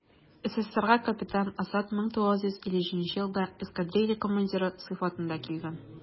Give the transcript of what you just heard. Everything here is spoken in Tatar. СССРга капитан Асад 1957 елда эскадрилья командиры сыйфатында килгән.